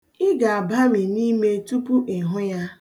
Ị ga-abami n'ime tupu ị hụ ya.